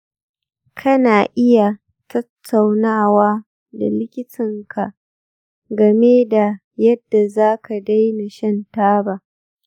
kana iya tattaunawa da likitanka game da yadda za ka daina shan taba.